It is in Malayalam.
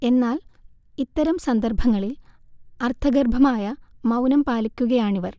എന്നാൽ ഇത്തരം സന്ദർഭങ്ങളിൽ അർത്ഥഗർഭമായ മൗനം പാലിക്കുകയാണിവർ